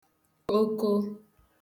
oko